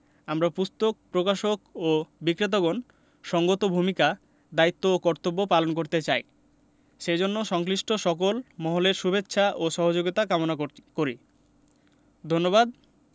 আমরা পুস্তক প্রকাশক ও বিক্রেতাগণ সঙ্গত ভূমিকা দায়িত্ব ও কর্তব্য পালন করতে চাই সেজন্য সংশ্লিষ্ট সকল মহলের শুভেচ্ছা ও সহযোগিতা কামনা করি ধন্যবাদ